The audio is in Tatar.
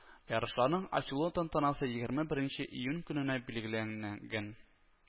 Ярышларның ачылу тантанасы егерме беренче июнь көненә билгеләнгәән гән –